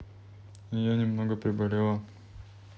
я немного приболела